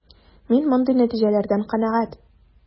Мин мондый нәтиҗәләрдән канәгать.